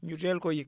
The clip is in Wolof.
ñu teel koo yëg